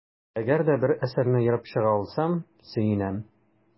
Әгәр дә бер әсәрне ерып чыга алсам, сөенәм.